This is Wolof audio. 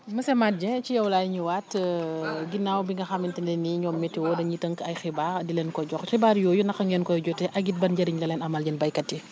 monsieur Mate Dieng ci yow laay ñëwaat ginnaaw bi nga xamante ne nii ñoom météo dañuy tënk ay xibaar di leen ko jox xibaar yooyu naka ngeen koy jotee ak it ban njëriñ la leen amal yeen béykat yi